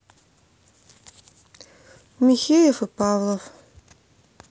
михеев и павлов